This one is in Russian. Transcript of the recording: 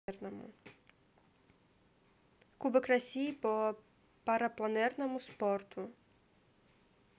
кубок россии по парапланерному спорту